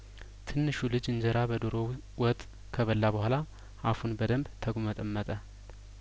ትንሹ ልጅ እንጀራ በዶሮ ወጥ ከበላ በኋላ አፉን በደምብ ተጉመጠመጠ